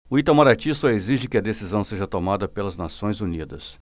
o itamaraty só exige que a decisão seja tomada pelas nações unidas